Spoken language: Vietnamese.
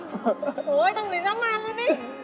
trời ôi tâm lý dã man luôn ý